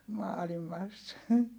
maailmassa